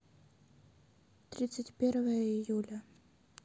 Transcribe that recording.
тридцать первое июля